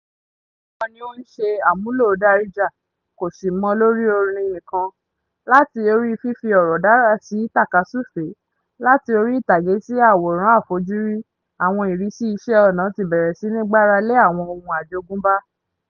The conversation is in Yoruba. Kìí ṣe orin nìkan ni ó ń ṣe àmúlò Darija, kò sì mọ lórí orin nìkan, láti orí fífi ọ̀rọ̀ dára sí tàkasúfè, láti orí ìtàgé sí àwòrán àfojúrí, àwọn ìrísí iṣẹ́ ọnà ti bẹ̀rẹ̀ sí ní gbára lé àwọn ohun àjogúnbá.